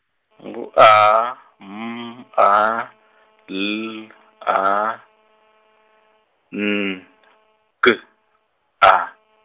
ngu A, M, A, L, A, N, G, A.